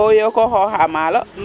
Ndax wo yo koo xooxaa maalo.